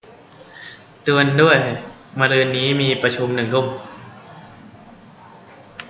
เตือนด้วยมะรืนนี้มีประชุมหนึ่งทุ่ม